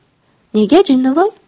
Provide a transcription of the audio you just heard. nega jinnivoy